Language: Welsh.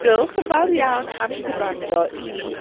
Diolch yn fawr iawn am gwrando i...